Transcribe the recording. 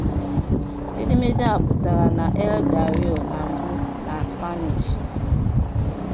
Edemede a pụtara na El Diario na mbụ, na Spanish.